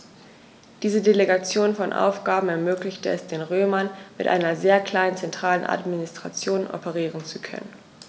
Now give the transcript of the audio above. Diese Delegation von Aufgaben ermöglichte es den Römern, mit einer sehr kleinen zentralen Administration operieren zu können.